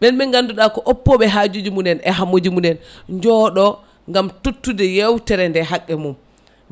ɓenɓe ganduɗa ko oppoɓe hajiji munen e hammuji munen jooɗo gaam tottude yewtere nde haqqe mum